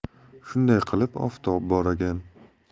shunday qilib oftob bor ekan